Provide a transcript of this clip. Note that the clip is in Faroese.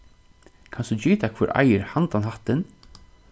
kanst tú gita hvør eigur handan hattin